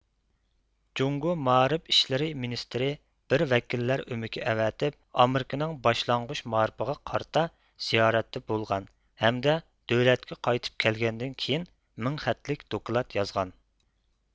جۇڭگۇ مائارىپ ئىشلىرى مىنىستىرى بىر ۋەكىللەر ئۆمىكى ئەۋەتىپ ئامېرىكىنىڭ باشلانغۇچ مائارىپىغا قارىتا زىيارەتتە بولغان ھەمدە دۆلەتكە قايتىپ كەلگەندىن كېيىن مىڭ خەتلىك دوكلات يازغان